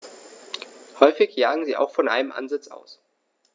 Häufig jagen sie auch von einem Ansitz aus.